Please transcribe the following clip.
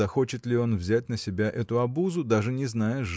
захочет ли он взять на себя эту обузу даже не зная